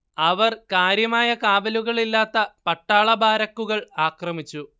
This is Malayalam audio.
അവർ കാര്യമായ കാവലുകളില്ലാത്ത പട്ടാള ബാരക്കുകൾ ആക്രമിച്ചു